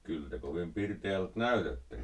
kyllä te kovin pirteältä näytätte